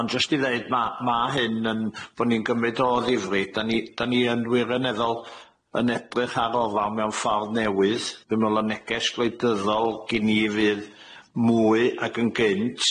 Ond jyst i ddeud ma' ma' hyn yn bo' ni'n gymyd o ddifri, da ni da ni yn wirioneddol yn ebrych ar ofan mewn ffordd newydd. Dwi'n me'wl y neges gwleidyddol gin i fydd mwy ac yn gynt.